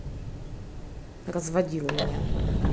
разводила меня